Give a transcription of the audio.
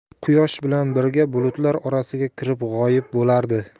quyosh bilan birga butalar orasiga kirib g'oyib bo'lardi